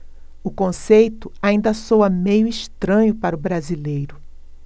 o conceito ainda soa meio estranho para o brasileiro